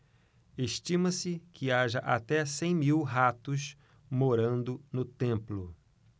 estima-se que haja até cem mil ratos morando no templo